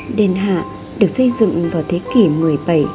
đền hạ được xây dựng vào thế kỷ xvii